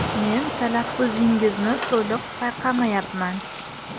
men talaffuzingizni to' liq payqamayapman